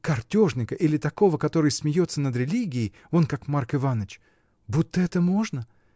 — Картежника или такого, который смеется над религией, вон как Марк Иваныч: будто это можно?